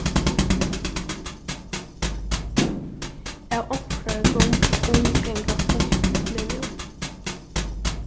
av onkrari grund umganga fólk meg nú